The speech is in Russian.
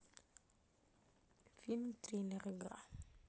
фильм триллер игра